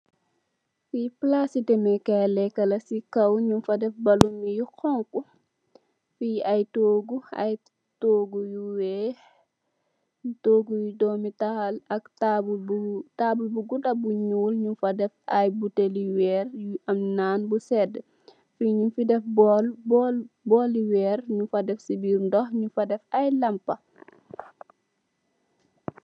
Fi palasi demdekai leka la si kaw nyun fa def lu xonxu fi ay togu ay togu yu weex togu bu domital ak tabul bu tabul bu guda bu nuul nyun fa def ay botale weer yu am nan yu seda ay bowl nyung fa def ay lampa.